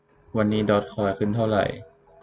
วันนี้ดอร์จคอยขึ้นเท่าไหร่